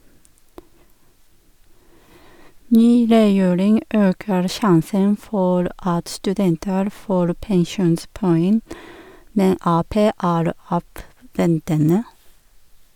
Ny regjering øker sjansen for at studenter får pensjonspoeng, men Ap er avventende.